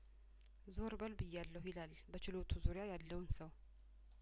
ዞርበል ብያለሁ ይላል በችሎቱ ዙሪያ ያለውን ሰው